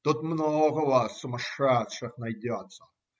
Тут много вас, сумасшедших, найдется